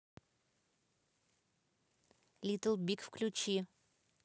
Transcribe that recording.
литтл биг включи